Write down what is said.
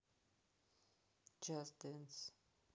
джаз данс